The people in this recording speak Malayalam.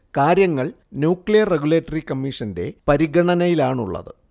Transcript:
കാര്യങ്ങൾ ന്യൂക്ലിയർ റഗുലേറ്ററി കമ്മീഷന്റെ പരിഗണനയിലാണുള്ളത്